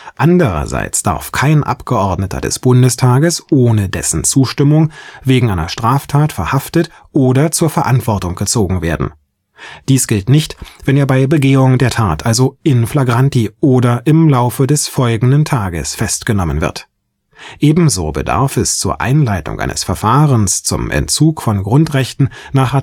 Andererseits darf kein Abgeordneter des Bundestages ohne dessen Zustimmung wegen einer Straftat verhaftet oder zur Verantwortung gezogen werden. Dies gilt nicht, wenn er bei Begehung der Tat, also „ in flagranti “, oder im Laufe des folgenden Tages festgenommen wird. Ebenso bedarf es zur Einleitung eines Verfahrens zum Entzug von Grundrechten nach